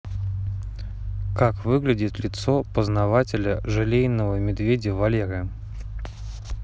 как выглядит лицо познавателя желейного медведя валеры